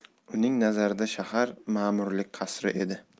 uning nazarida shahar ma'murlik qasri edi